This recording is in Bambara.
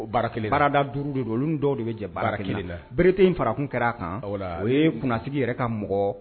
Baara kelen baarada duuru de don olu dɔw de bɛ jɛ baara kelen la bereerete in farakun kɛra a kan o ye kunnasigi yɛrɛ ka mɔgɔ